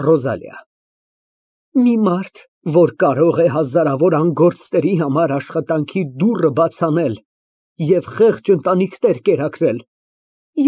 ՌՈԶԱԼԻԱ ֊ Մի մարդ, որ կարող է հազարավոր անգործների համար աշխատանքի դուռը բաց անել և խեղճ ընտանիքներ կերակրել։